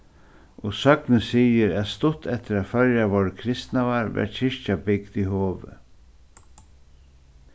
og søgnin sigur at stutt eftir at føroyar vórðu kristnaðar varð kirkja bygd í hovi